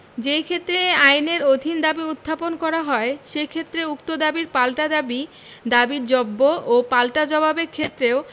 যেইক্ষেত্রে এই আইনের অধীন দাবী উত্থাপন করা হয় সেইক্ষেত্রে উক্ত দাবীর পাল্টা দাবী দাবীর জব্ব ও পাল্টা জবাবের ক্ষেত্রেও